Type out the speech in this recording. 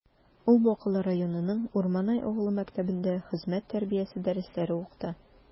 Ул Бакалы районының Урманай авылы мәктәбендә хезмәт тәрбиясе дәресләре укыта.